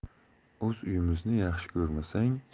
o'z uyimizni yaxshi ko'rmasang